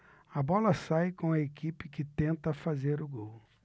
a bola sai com a equipe que tenta fazer o gol